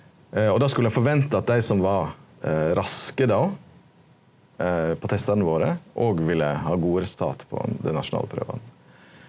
og då skulle ein forventa at dei som var raske då på testane våre òg ville ha gode resultat på dei nasjonale prøvane.